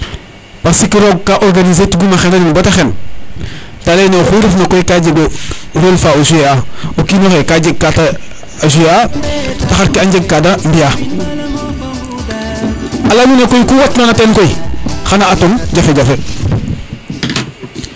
parce que roog ka organiser tigum a xena niin bata xen te leye ne oxu refna koy ka jeg role fa o jouer a o kino xe ka jeg kata jouer a taxar ke a njeg kete mbiya o leya nuune koy ku watna na ten koy xana atong jafe jafe